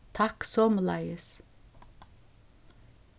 takk somuleiðis